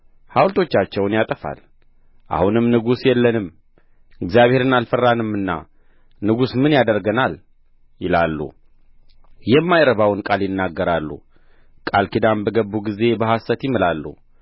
ሐውልቶቻቸውን ያጠፋል አሁንም ንጉሥ የለንም እግዚአብሔርን አልፈራንምና ንጉሥስ ምን ያደርግልናል ይላሉ የማይረባውን ቃል ይናገራሉ ቃል ኪዳን በገቡ ጊዜ በሐሰት ይምላሉ